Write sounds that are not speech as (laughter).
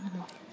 (hesitation) (hesitation)